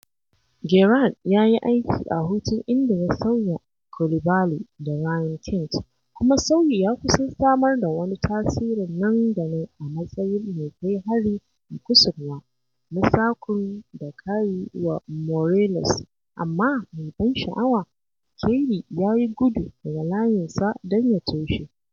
Gerrard ya yi aiki a hutun inda ya sauya Coulibaly da Ryan Kent kuma sauyi ya kusan samar da wani tasirin nan da nan a matsayin mai kai hari ta kusurwa na sakun da ka yi wa Morelos amma mai ban sha’awa Kelly ya yi gudu daga layinsa don ya toshe.